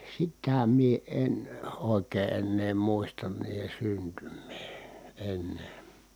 sitä minä en oikein enää muista niiden syntymää en